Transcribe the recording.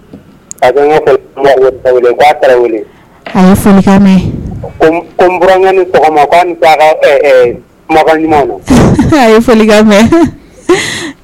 Nkan ɲuman a ye